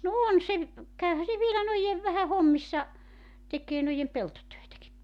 no on se käyhän se vielä noiden vähän hommissa tekee noiden peltotöitäkin